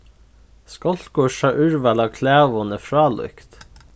skálkursa úrval av klæðum er frálíkt